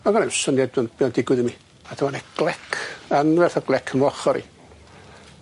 O'dd gynna i'm syniad dwi'n be' o'n digwydd i mi. A dyma 'ne glec anferth o glec yn fy ochor i.